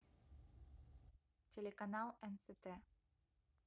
телеканал нст